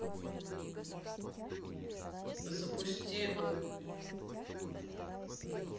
запусти у